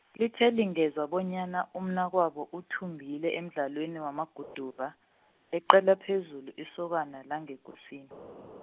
lithe lingezwa bonyana umnakwabo uthumbile emdlalweni wamaguduva, leqela phezulu isokana langeKosini .